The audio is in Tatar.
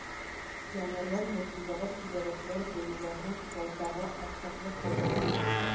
Пионерлар йортындагы түгәрәкләр бүлмәләренең байтагы максатлы файдаланылмый